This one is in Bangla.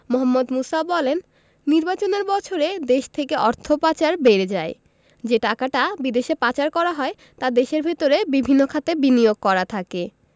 মোহাম্মদ মুসা বলেন নির্বাচনের বছরে দেশ থেকে অর্থ পাচার বেড়ে যায় যে টাকাটা বিদেশে পাচার করা হয় তা দেশের ভেতরে বিভিন্ন খাতে বিনিয়োগ করা থাকে